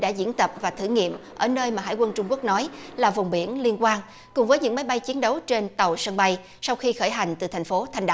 đã diễn tập và thử nghiệm ở nơi mà hải quân trung quốc nói là vùng biển liên quan cùng với những máy bay chiến đấu trên tàu sân bay sau khi khởi hành từ thành phố thanh